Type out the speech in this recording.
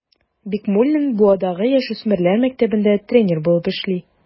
Бикмуллин Буадагы яшүсмерләр мәктәбендә тренер булып эшли.